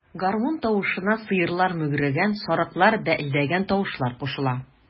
Гармун тавышына сыерлар мөгрәгән, сарыклар бәэлдәгән тавышлар кушыла.